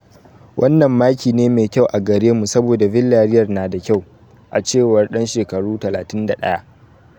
"Wannan maki ne mai kyau a gare mu saboda Villarreal na da kyau," a cewar dan shekaru 31.